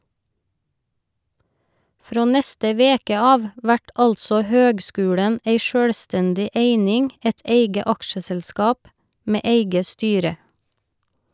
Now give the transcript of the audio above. Frå neste veke av vert altså høgskulen ei sjølvstendig eining , eit eige aksjeselskap med eige styre.